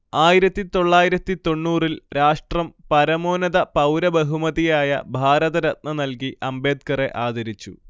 ആയിരത്തിതൊള്ളായിരത്തിത്തൊണ്ണൂറി ൽ രാഷ്ട്രം പരമോന്നത പൗരബഹുമതിയായ ഭാരതരത്ന നല്കി അംബേദ്കറെ ആദരിച്ചു